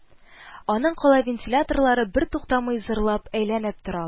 Аның калай вентиляторлары бертуктамый зыр-лап әйләнеп торалар